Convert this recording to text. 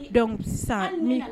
Dɔnku sisan